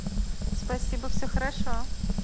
спасибо все хорошо